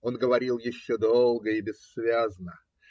Он говорил еще долго и бессвязно.